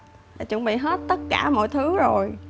là chuẩn bị hết tất cả mọi thứ rồi